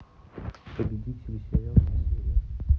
победители сериал все серии